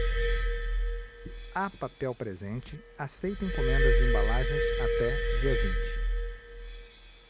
a papel presente aceita encomendas de embalagens até dia vinte